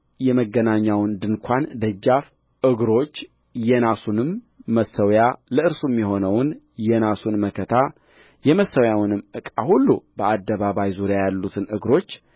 የመገናኛውን ድንኳን ደጃፍ እግሮች የናሱንም መሠዊያ ለእርሱም የሆነውን የናሱን መከታ የመሠዊያውንም ዕቃ ሁሉ በአደባባዩ ዙሪያ ያሉትን እግሮች